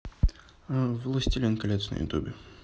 властелин колец на ютубе